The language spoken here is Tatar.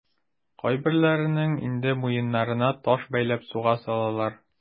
Кайберләренең инде муеннарына таш бәйләп суга салалар.